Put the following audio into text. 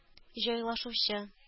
Җайлашучы